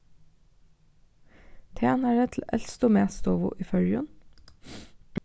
tænari til elstu matstovu í føroyum